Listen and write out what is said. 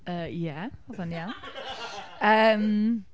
Yy, ie. Oedd o'n iawn. Yym…